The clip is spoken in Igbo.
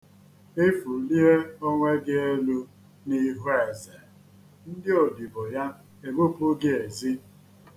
I fụlie onwe gị elu n'ihu eze, ndị odibo ya ebupu gị ezi.